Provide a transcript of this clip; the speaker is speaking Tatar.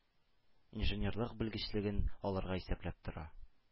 Инженерлык белгечлеген алырга исәпләп тора.